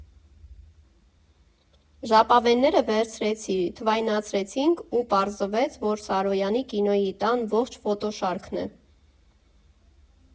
Ժապավենները վերցրեցի։ Թվայնացրեցինք ու պարզվեց, որ Սարոյանի՝ կինոյի տան ողջ ֆոտոշարքն է։